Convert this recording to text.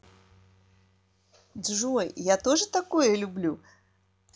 джой я тоже такое люблю